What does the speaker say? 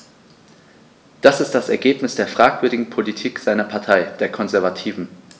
Das ist das Ergebnis der fragwürdigen Politik seiner Partei, der Konservativen.